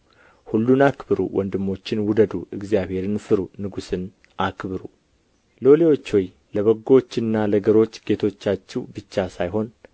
ሁሉን አክብሩ ወንድሞችን ውደዱ እግዚአብሔርን ፍሩ ንጉሥን አክብሩ ሎሌዎች ሆይ ለበጎዎችና ለገሮች ጌቶቻችሁ ብቻ ሳይሆን